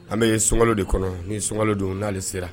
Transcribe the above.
An bɛ sunkalo de kɔnɔ ni sunkalo don n'ale sera